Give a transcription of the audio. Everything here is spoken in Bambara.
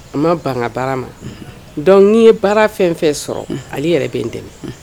a ma banga an baara ma; Unhun; donc n'i ye baara fɛn fɛn sɔrɔ; Un; Ali yɛrɛ bɛ n dɛmɛ; Un.